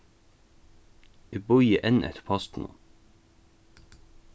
eg bíði enn eftir postinum